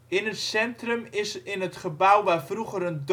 centrum is in het gebouw waar vroeger de dorpsschool